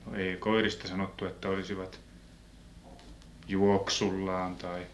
no ei koirista sanottu että olisivat juoksullaan tai